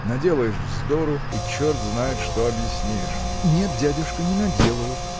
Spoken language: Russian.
наделаешь вздору и черт знает что объяснишь. – Нет, дядюшка, не наделаю.